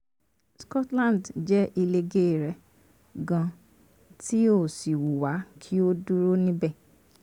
Scotland jẹ́ ilegèé rẹ gan an tí a ó sì wú wà kí ó dúró níbẹ̀."